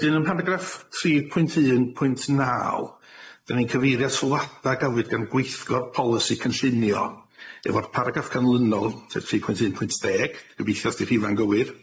Wedyn ym mharagraff tri pwynt un pwynt naw 'dan ni'n cyfeirio at sylwada gafwyd gan gweithgor polisi cynllunio efo'r paragraff canlynol sef tri pwynt un pwynt deg gobeithio os di rhifau'n gywir